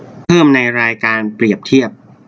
เพิ่มในรายการเปรียบเทียบ